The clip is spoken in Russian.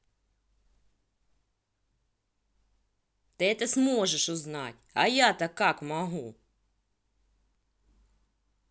ты это сможешь узнать а я то как могу